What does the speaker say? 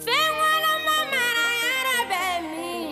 Denba marayɔrɔ bɛ min